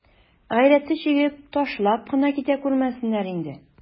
Гайрәте чигеп, ташлап кына китә күрмәсеннәр инде.